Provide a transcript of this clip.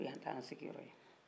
ko yan t'an siginyɔrɔ ye